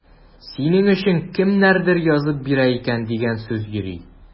Синең өчен кемнәрдер язып бирә икән дигән сүз йөри.